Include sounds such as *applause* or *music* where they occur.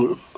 *hesitation* *hesitation*